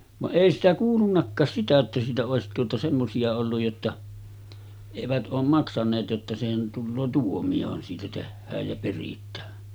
vaan ei sitä kuulunutkaan sitä että siitä olisi tuota semmoisia ollut jotta eivät ole maksaneet jotta sehän tulee tuomiohan siitä tehdään ja peritään